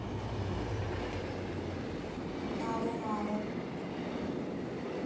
надо надо